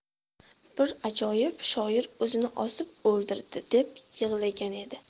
bir ajoyib shoir o'zini osib o'ldirdi deb yig'lagan edi